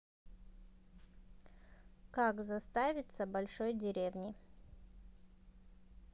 как заставиться большой деревне